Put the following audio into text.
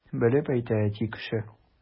Белеп әйтә әти кеше!